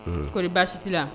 Koɔri baasi tɛ la